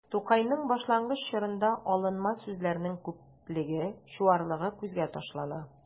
Тукайның башлангыч чорында алынма сүзләрнең күплеге, чуарлыгы күзгә ташлана.